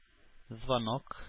Звонок